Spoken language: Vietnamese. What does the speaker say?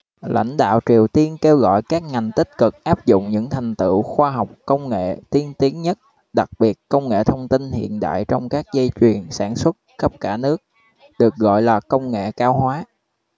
lãnh đạo triều tiên kêu gọi các ngành tích cực áp dụng những thành tựu khoa học công nghệ tiên tiến nhất đặc biệt công nghệ thông tin hiện đại trong các dây chuyền sản xuất khắp cả nước được gọi là công nghệ cao hóa